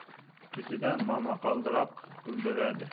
ketidan momaqaldiroq gulduradi